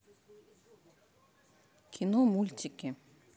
кино мультики